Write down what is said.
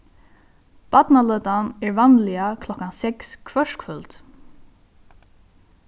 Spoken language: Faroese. barnaløtan er vanliga klokkan seks hvørt kvøld